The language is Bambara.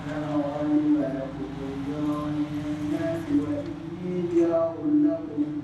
Fasoninlɔinkɔrɔindi wula